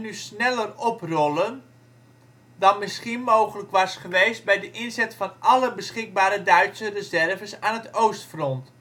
sneller oprollen dan misschien mogelijk was geweest bij de inzet van alle beschikbare Duitse reserves aan het oostfront